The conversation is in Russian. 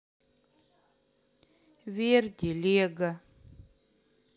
верди лего